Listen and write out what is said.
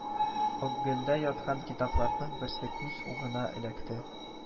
Оггэлдә яткан китапларның берсе күз угына эләкте